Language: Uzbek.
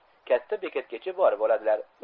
katta bekatgacha borib oladilar